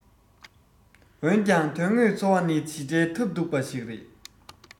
འོན ཀྱང དོན དངོས འཚོ བ ནི ཇི འདྲའི ཐབས སྡུག པ ཞིག རེད